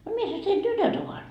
no missäs teidän tytöt ovat